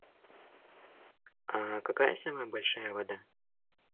а какая самая большая вода